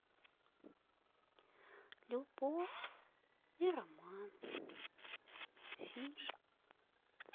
любовь и роман фильм